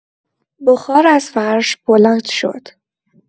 بخار از فرش بلند شد.